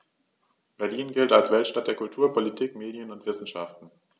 Berlin gilt als Weltstadt der Kultur, Politik, Medien und Wissenschaften.